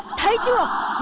thấy chưa